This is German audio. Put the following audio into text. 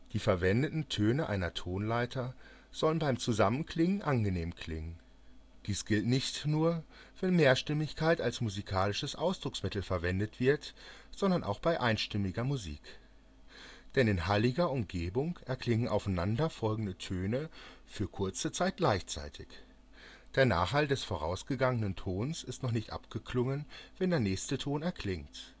Die verwendeten Töne einer Tonleiter sollen beim Zusammenklingen angenehm klingen. Dies gilt nicht nur, wenn Mehrstimmigkeit als musikalisches Ausdrucksmittel verwendet wird, sondern auch bei einstimmiger Musik. Denn in halliger Umgebung erklingen aufeinander folgende Töne für kurze Zeit gleichzeitig: Der Nachhall des vorausgegangenen Tons ist noch nicht abgeklungen, wenn der nächste Ton erklingt